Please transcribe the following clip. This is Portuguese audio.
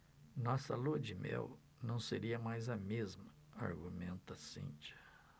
nossa lua-de-mel não seria mais a mesma argumenta cíntia